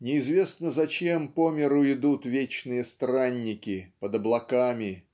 неизвестно зачем по миру идут вечные странники под облаками